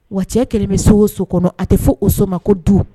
Wa cɛ kelen bɛso o so kɔnɔ a tɛ fɔ o so ma ko du